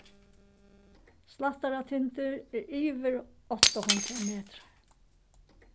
slættaratindur er yvir átta hundrað metrar